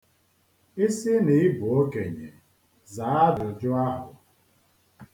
Ị sị na ị bụ okenye, zaa ajụjụ ahụ.